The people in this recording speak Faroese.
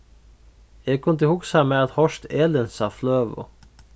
eg kundi hugsað mær at hoyrt elinsa fløgu